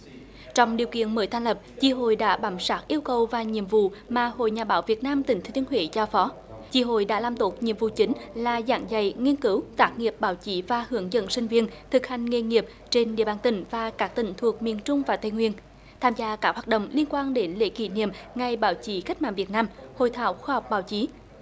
trong điều kiện mới thành lập chi hội đã bám sát yêu cầu và nhiệm vụ mà hội nhà báo việt nam tỉnh thừa thiên huế giao phó chi hội đã làm tốt nhiệm vụ chính là giảng dạy nghiên cứu tác nghiệp báo chí và hướng dẫn sinh viên thực hành nghề nghiệp trên địa bàn tỉnh và các tỉnh thuộc miền trung và tây nguyên tham gia các hoạt động liên quan đến lễ kỷ niệm ngày báo chí cách mạng việt nam hội thảo khoa học báo chí